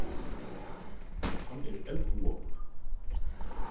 hann er eldhugaður